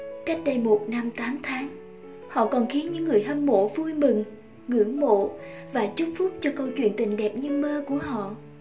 cách đây năm tháng họ còn khiến những người hâm mộ vui mừng ngưỡng mộ và chúc phúc cho câu chuyện tình đẹp như mơ của họ